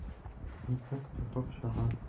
Итек тотып чыга.